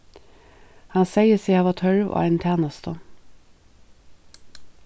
hann segði seg hava tørv á eini tænastu